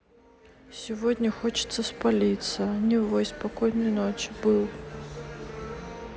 сегодня хочется спалиться невой спокойной ночи был